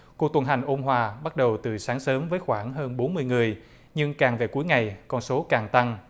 cuộc tuần hành ôn hòa bắt đầu từ sáng sớm với khoảng hơn bốn mươi người nhưng càng về cuối ngày con số càng tăng